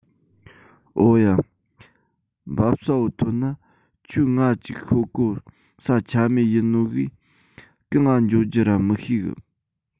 ཨོ ཡ འབབ ས བོ ཐོན ན ཁྱོས ང ཅིག ཤོད གོ ས ཆ མེད ཡིན ནོ གིས གང ང འགྱོ རྒྱུ ར མི ཤེས གི